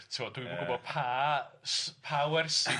dwi'm yn gwybod pa s- pa wersi ia.